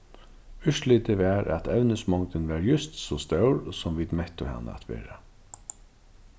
úrslitið var at evnismongdin var júst so stór sum vit mettu hana at vera